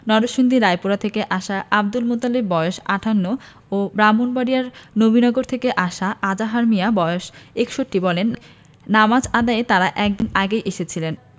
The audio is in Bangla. নরসিংদী রায়পুরা থেকে আসা আবদুল মোতালেব বয়স ৫৮ ও ব্রাহ্মণবাড়িয়ার নবীনগর থেকে আসা মো. আজহার মিয়া বয়স ৬১ বলেন নামাজ আদায়ে তাঁরা এক দিন আগেই এসেছিলেন